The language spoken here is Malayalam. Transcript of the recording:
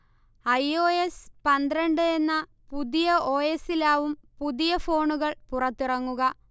ഐ. ഓ. എസ് പന്ത്രണ്ട് എന്ന പുതിയ ഓ. എസി ലാവും പുതിയ ഫോണുകൾ പുറത്തിറങ്ങുക